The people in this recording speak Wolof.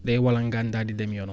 day walangaan daal di dem yoonam